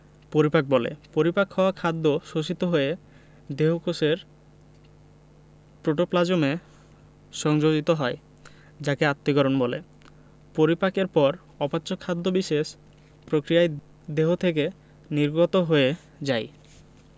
পরিপাক বলে পরিপাক হওয়া খাদ্য শোষিত হয়ে দেহকোষের প্রোটোপ্লাজমে সংযোজিত হয় যাকে আত্তীকরণ বলে পরিপাকের পর অপাচ্য খাদ্য বিশেষ প্রক্রিয়ায় দেহ থেকে নির্গত হয়ে যায়